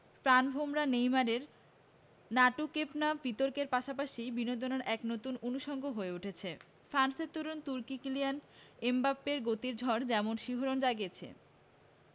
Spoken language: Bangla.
প্রাণভোমরা নেইমারের নাটুকেপনা বিতর্কের পাশাপাশি বিনোদনের এক নতুন অনুষঙ্গ হয়ে উঠেছে ফ্রান্সের তরুণ তুর্কি কিলিয়ান এমবাপ্পের গতির ঝড় যেমন শিহরণ জাগিয়েছে